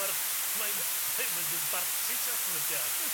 Ma'r mae'n mae'n mynd yn barti tu allan i'r gât.